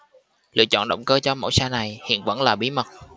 lựa chọn động cơ cho mẫu xe này hiện vẫn là bí mật